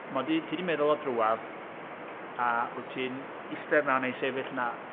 Mae 'di... ti 'di meddwl o drwadd a wyt ti'n eistedd yna neu sefyll yna...